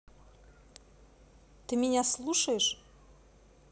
ты меня слушаешь